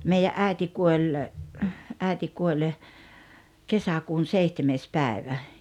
meidän äiti kuoli äiti kuoli kesäkuun seitsemäs päivä